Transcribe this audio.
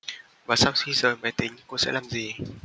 và sau khi rời máy tính cô sẽ làm gì